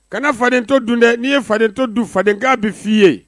Kana faden to dun dɛ n'i ye fa to dun fadenkan bɛ fɔ' i ye